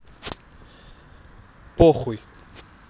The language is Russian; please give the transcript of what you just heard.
похуй